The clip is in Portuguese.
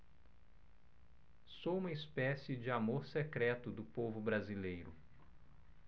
sou uma espécie de amor secreto do povo brasileiro